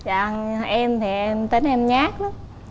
dạ em thì em tính em nhát lắm